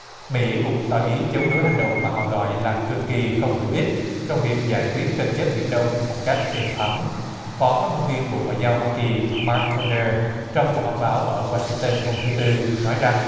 mỹ cũng tỏ ý chống đối hành động mà họ gọi là cực kỳ không hữu ích trong việc giải quyết tranh chấp biển đông một cách êm thấm phó phát ngôn viên bộ ngoại giao hoa kỳ mác tôn nơ trong cuộc họp báo ở oa sinh tơn hôm thứ tư nói rằng